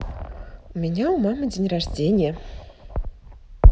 у меня у мамы день рождения